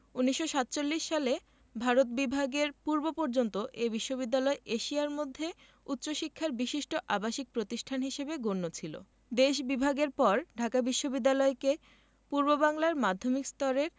১৯৪৭ সালে ভারত বিভাগের পূর্বপর্যন্ত এ বিশ্ববিদ্যালয় এশিয়ার মধ্যে উচ্চশিক্ষার বিশিষ্ট আবাসিক প্রতিষ্ঠান হিসেবে গণ্য ছিল দেশ বিভাগের পর ঢাকা বিশ্ববিদ্যালয়কে পূর্ববাংলার মাধ্যমিক স্তরের